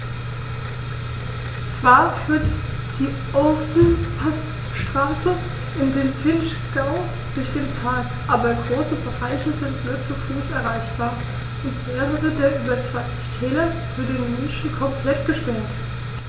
Zwar führt die Ofenpassstraße in den Vinschgau durch den Park, aber große Bereiche sind nur zu Fuß erreichbar und mehrere der über 20 Täler für den Menschen komplett gesperrt.